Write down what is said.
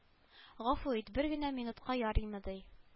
Гафу ит бер генә минутка ярыймы ди